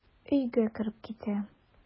Өйгә кереп китә.